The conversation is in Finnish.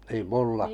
niin minulla